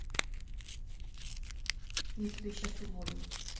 я тебя сейчас уволю